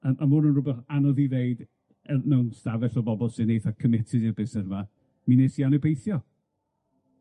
yym a ma' 'wn yn rwbeth anodd i ddeud yy mewn stafell o bobol sy'n eitha committed i'r busnes 'ma, mi wnes i anobeithio.